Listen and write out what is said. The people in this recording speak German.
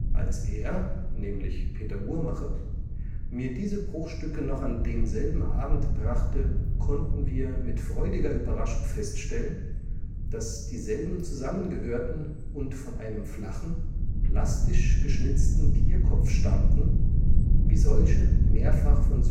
Als er [Peter Uhrmacher] mir diese Bruchstücke noch an demselben Abend brachte, konnten wir mit freudiger Überraschung feststellen, daß dieselben zusammengehörten und von einem flachen, plastisch geschnitzten Tierkopf stammten, wie solche mehrfach von